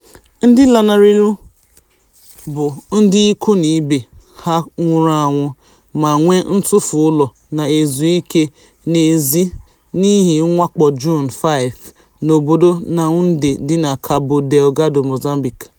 Ndị lanarịrịnụ bụ ndị ikwu na ibe ha nwụrụ anwụ ma nwe ntufu ụlọ na-ezuike n'ezi n'ihi mwakpo Juun 5 n'obodo Naunde dị na Cabo Delgado, Mozambique.